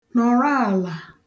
nọ̀rọ àlà